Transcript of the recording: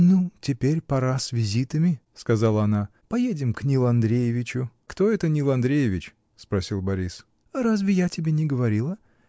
— Ну, теперь пора с визитами, — сказала она. — Поедем к Нилу Андреевичу. — Кто это Нил Андреевич? — спросил Борис. — Разве я тебе не говорила?